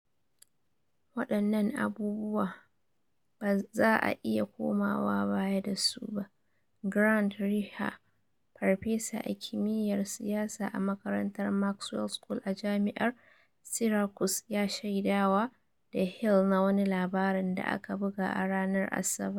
Waɗannan abubuwa ba za a iya komawa baya da su ba, "Grant Reeher, farfesa a kimiyyar siyasa a makarantar Maxwell School a Jami'ar Syracuse ya shaidawa The Hill na wani labarin da aka buga a ranar Asabar.